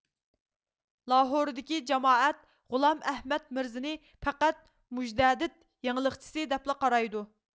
لاھوردىكى جامائەت غۇلام ئەھمەد مىرزىنى پەقەت مۇجەدىد يېڭىلىقچىسى دەپلا قارايدۇ